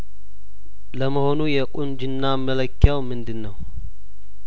ለመሆኑ የቁንጅና መለኪያውምንድነው